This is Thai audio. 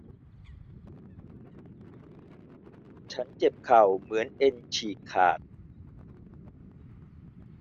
ฉันเจ็บเข่าเหมือนเอ็นฉีกขาด